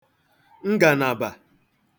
ngànàbà